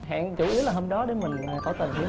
hẹn chủ yếu là hôm đó là để mình tỏ tình